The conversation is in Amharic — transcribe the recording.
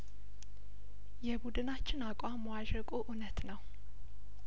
የቡድናችን አቋም መዋዠቁ እውነት ነው